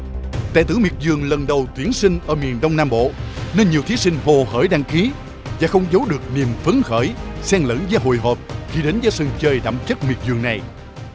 tài tử miệt vườn lần đầu tuyển sinh ở miền đông nam bộ nên nhiều thí sinh hồ hởi đăng ký và không giấu được niềm phấn khởi xen lẫn với hồi hộp khi đứng trên sân chơi đậm chất miệt vườn này